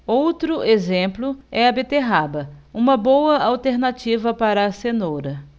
outro exemplo é a beterraba uma boa alternativa para a cenoura